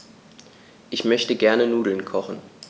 Ich möchte gerne Nudeln kochen.